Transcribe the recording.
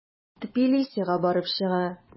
Тбилисига барып чыга.